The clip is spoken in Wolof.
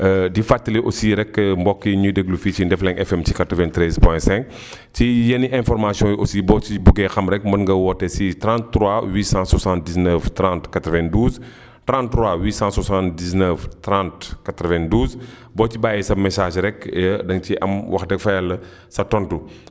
di fàttali aussi rekk mbokk yi ñuy déglu fii si Ndefleng FM ci 93 point 5 ci yenn information yi aussi boo ci bëggee xam rek mën nga woote si 33 879 30 92 33 879 30 92 boo ci bàyyee sa message rekk da nga ciy am wax dëgg fa Yàlla sa tontu